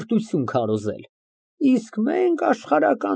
Եթե այդպես շարունակես, ես քեզ էլ կատեմ, ինչպես ատում եմ նրան։